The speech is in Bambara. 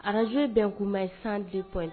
arazo bɛn kuma ye san bip